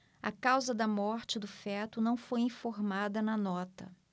a causa da morte do feto não foi informada na nota